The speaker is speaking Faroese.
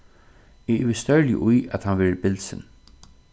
eg ivist stórliga í at hann verður bilsin